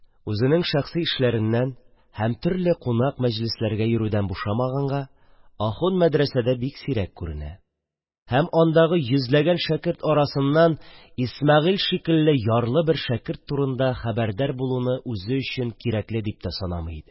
Үзенең шәхси эшләреннән һәм төрле кунак-мәҗлесләргә йөрүдән бушамаганга, ахун мәдрәсәдә бик сирәк күренә һәм андагы йөзләгән шәкерт арасыннан Исмәгыйль шикелле ярлы бер шәкерт турында хәбәрдәр булуны үзе өчен кирәкле дип тә санамый иде.